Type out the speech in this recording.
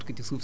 ngooñ mi